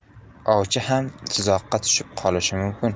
ovchi ham tuzoqqa tushib qolishi mumkin